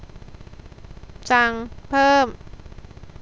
สั่งเพิ่ม